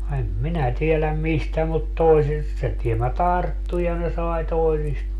en minä tiedä mistä mutta toisista se tiemmä tarttui ja ne sai toisista